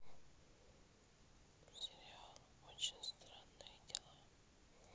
сериал очень странные дела